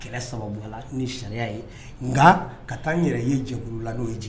Kɛlɛ sababu ni sariya nka ka taa yɛrɛ ye jɛla'o ye jigin